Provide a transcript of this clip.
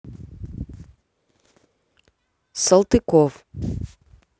салтыков